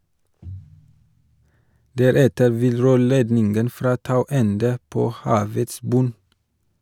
Deretter vil rørledningen fra Tau ende på havets bunn.